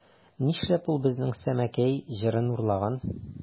Нишләп ул безнең Сәмәкәй җырын урлаган?